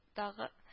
Дагы